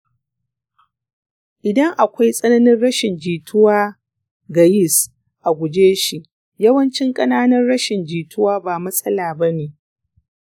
idan akwai tsananin rashin jituwa ga yis, a guje shi. yawancin ƙananan rashin jituwa ba matsala ba ne.